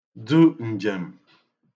du ǹjem̀